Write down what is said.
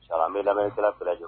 Sa bɛ labɛn kiraerejɔ